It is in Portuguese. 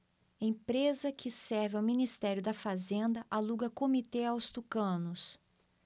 empresa que serve ao ministério da fazenda aluga comitê aos tucanos